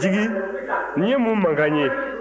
jigi nin ye mun mankan ye